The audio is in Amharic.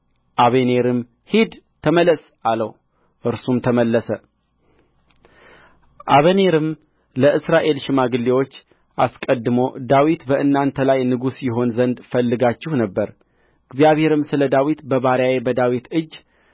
አበኔርም ሂድ ተመለስ አለው እርሱም ተመለሰ አበኔርም ለእስራኤል ሽማግሌዎች አስቀድሞ ዳዊት በእናንተ ላይ ንጉሥ ይሆን ዘንድ ፈልጋችሁ ነበር እግዚአብሔርም ስለ ዳዊት በባሪያዬ በዳዊት እጅ